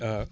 waaw